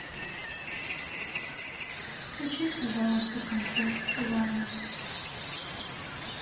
включи пожалуйста концерт ваенги